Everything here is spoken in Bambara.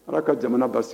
Ala ka jamana ba